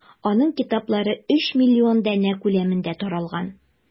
Аның китаплары 30 миллион данә күләмендә таралган.